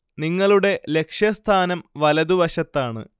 നിങ്ങളുടെ ലക്ഷ്യസ്ഥാനം വലതുവശത്താണ്